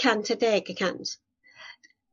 Cant a deg y cant.